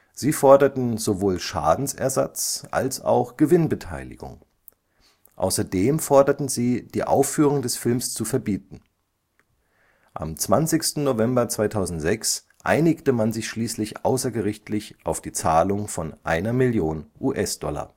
Sie forderten sowohl Schadensersatz als auch Gewinnbeteiligung. Außerdem forderten sie, die Aufführung des Films zu verbieten. Am 20. November 2006 einigte man sich schließlich außergerichtlich auf die Zahlung von einer Million US-Dollar